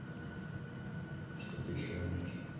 что ты еще умеешь